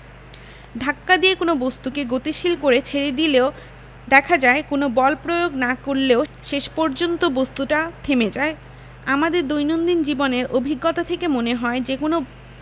ধাক্কা দিয়ে কোনো বস্তুকে গতিশীল করে ছেড়ে দিলেও দেখা যায় কোনো বল প্রয়োগ না করলেও শেষ পর্যন্ত বস্তুটা থেমে যায় আমাদের দৈনন্দিন জীবনের অভিজ্ঞতা থেকে মনে হয় যেকোনো